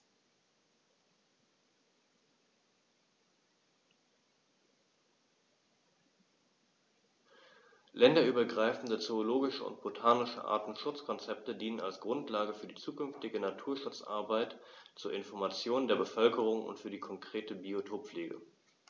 Länderübergreifende zoologische und botanische Artenschutzkonzepte dienen als Grundlage für die zukünftige Naturschutzarbeit, zur Information der Bevölkerung und für die konkrete Biotoppflege.